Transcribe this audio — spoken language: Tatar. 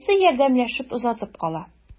Абыйсы ярдәмләшеп озатып кала.